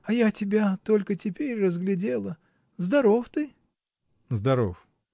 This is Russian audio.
А я тебя только теперь разглядела. Здоров ты? -- Здоров.